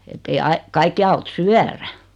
että ei aina kaikkia auta syödä